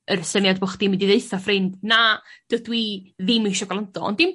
Yr syniad bo' chdi mynd i ddeutha ffrind na dydw i ddim isio grando ond dim